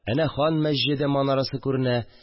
Әнә Хан мәсҗеде манарасы күренә